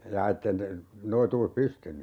jaa että ei niiden noituus pystynyt